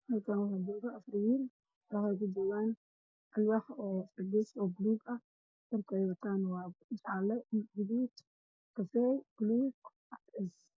Halkaan waxaa jooga afar wiil labo way isla joogan alwaax oo afar gees oo baluug ah dharka ah wataana waa jaale iyo gaduud kafay baluug cadays.